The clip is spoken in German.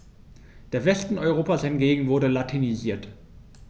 Der Westen Europas hingegen wurde latinisiert.